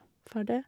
Ferdig?